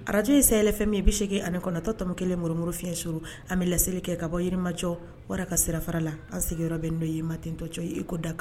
Radio ye sahel FM ye 89 tɔmi kelen murumuru fiyɛn suuru a bɛ weleli kɛ bɔ yirimajɔ wara ka sira fara la, an sigiyɔrɔ bɛnen do ye ma cɔyi, i ka da